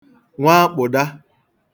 nwaakpụ̀da